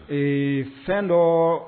Ee fɛn dɔɔ